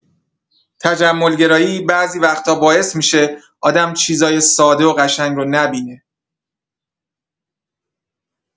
تجمل‌گرایی بعضی وقتا باعث می‌شه آدم چیزای ساده و قشنگ رو نبینه.